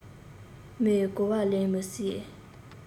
མོས གོ བ ལོན མི སྲིད